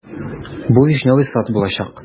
Бу "Вишневый сад" булачак.